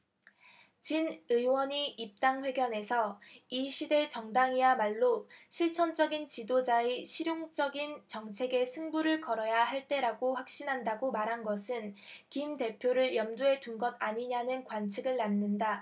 진 의원이 입당 회견에서 이 시대 정당이야말로 실천적인 지도자의 실용적인 정책에 승부를 걸어야 할 때라고 확신한다고 말한 것은 김 대표를 염두에 둔 것 아니냐는 관측을 낳는다